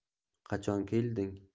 qachon kelding